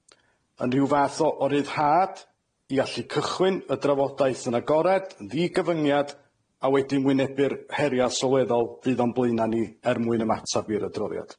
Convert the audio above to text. Yn ryw fath o o ryddhad i allu cychwyn y drafodaeth yn agored, yn ddigyfyngiad, a wedyn wynebu'r heria' sylweddol fydd o'n blaena ni er mwyn ymatab i'r adroddiad.